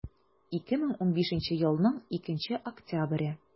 2015 елның 2 октябре